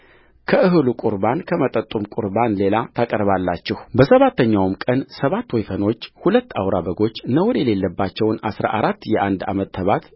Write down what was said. ከእህሉ ቍርባን ከመጠጡም ቍርባን ሌላ ታቀርባላችሁበሰባተኛውም ቀን ሰባት ወይፈኖች ሁለት አውራ በጎች ነውር የሌለባቸውን አሥራ አራት የአንድ ዓመት ተባት